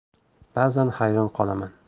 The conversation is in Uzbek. ba'zan hayron qolaman